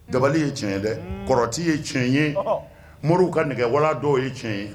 Dabali ye tiɲɛ ye dɛ kɔrɔti ye tiɲɛ ye moriw ka nɛgɛ wala dɔw ye tiɲɛ ye